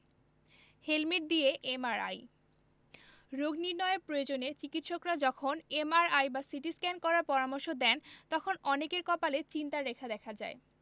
helmet দিয়ে MRI রোগ নির্নয়ের প্রয়োজনে চিকিত্সকরা যখন এমআরআই বা সিটিস্ক্যান করার পরামর্শ দেন তখন অনেকের কপালে চিন্তার রেখা দেখা যায়